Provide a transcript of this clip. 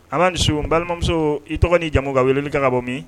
A ma su balimamuso i tɔgɔ ni jamumu ka wele' kan ka bɔ min